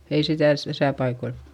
ei sitä - tässä paikoilla